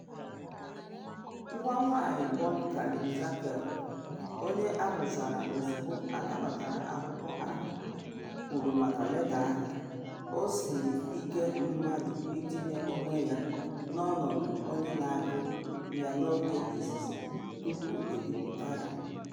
Nwa nwanyị Bond Karen Jankel, onye amụchara ozugbo anabatara akwụkwọ ahụ, kwuru maka leta ahụ: “O siri ike mmadụ itinye onwe ya n’ọnọdụ onye na agụ ya oge izizi tupu ebipute ya.